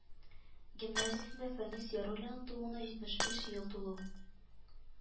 Гимназиясендә фәнис яруллинның тууына җитмеш биш ел тулу